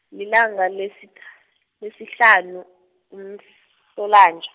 lilanga lesitha- lisihlanu, kuMhlolanja.